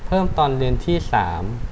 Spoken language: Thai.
เพิ่มตอนเรียนที่สาม